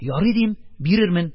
Ярый, - дим, - бирермен.